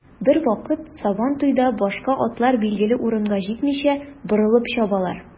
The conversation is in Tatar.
Бервакыт сабантуйда башка атлар билгеле урынга җитмичә, борылып чабалар.